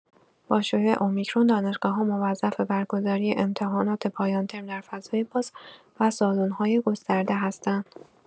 با شیوع امیکرون دانشگاه‌‌ها موظف به برگزاری امتحانات پایان ترم در فضای باز و سالن‌های گسترده هستند.